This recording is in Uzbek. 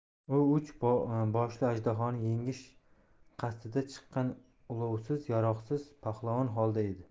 u uch boshli ajdahoni yengish qasdida chiqqan ulovsiz yarog'siz pahlavon holida edi